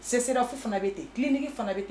CCRF fɛnɛ ne ten clinique fɛnɛ be ten.